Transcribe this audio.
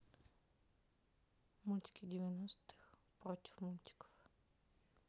мультики девяностых против мультиков